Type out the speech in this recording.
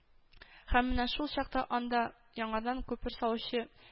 Һәм менә шул чакта анда яңадан күпер салучы